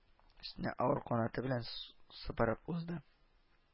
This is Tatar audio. Өстенә авыр канаты белән с сыпырып узды